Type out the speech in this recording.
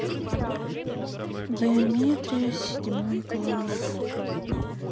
геометрия седьмой класс